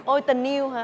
ôi tình yêu hả